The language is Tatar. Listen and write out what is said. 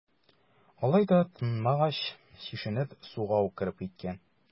Алай да тынмагач, чишенеп, суга ук кереп киткән.